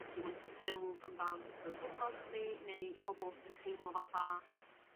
yn teimlo'n fulfilled amdan so't of diwrnod chdi neu pobol sydd yn teimlo fatha